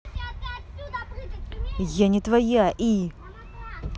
я не твоя и